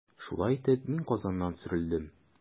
Шулай итеп, мин Казаннан сөрелдем.